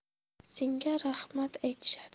senga rahmat aytishadi